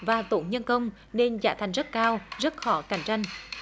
và tốn nhân công nên giá thành rất cao rất khó cạnh tranh